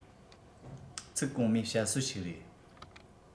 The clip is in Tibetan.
ཚིག གོང མའི བཤད སྲོལ ཞིག རེད